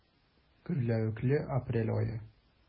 Гөрләвекле апрель ае.